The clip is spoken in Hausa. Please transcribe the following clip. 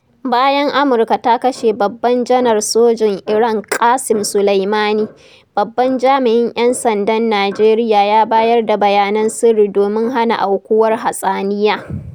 Bayan Amurka ta kashe babban Janar Sojin Iran ƙasem Soleimani, babban jami'in 'yan sandan Nijeriya ya bayar da bayanan sirri domin hana aukuwar hatsaniya.